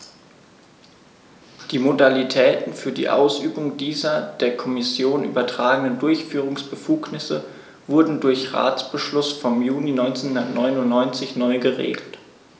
Die Modalitäten für die Ausübung dieser der Kommission übertragenen Durchführungsbefugnisse wurden durch Ratsbeschluss vom Juni 1999 neu geregelt.